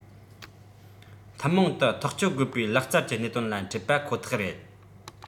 ཐུན མོང དུ ཐག གཅོད དགོས པའི ལག རྩལ གྱི གནད དོན ལ འཕྲད པ ཁོ ཐག རེད